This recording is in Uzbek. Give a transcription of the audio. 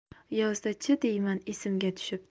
yozda chi deyman esimga tushib